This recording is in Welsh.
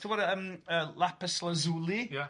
Timod yym yy lapis lazuli? Ia.